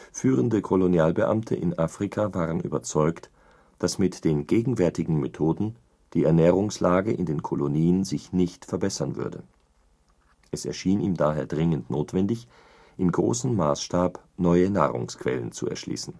Führende Kolonialbeamte in Afrika waren überzeugt, dass mit den gegenwärtigen Methoden die Ernährungslage in den Kolonien sich nicht verbessern würde. Es erschien ihm daher dringend notwendig, im großen Maßstab neue Nahrungsquellen zu erschließen